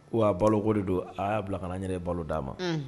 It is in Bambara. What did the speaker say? O a balo ko de don a y'a bila kana n yɛrɛ balo d'a ma